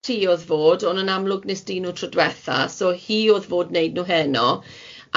Ti o'dd fod, ond yn amlwg nes ti nw tro dwetha, so hi o'dd fod neud nw heno.